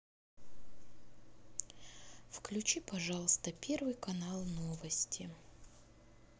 включи пожалуйста первый канал новости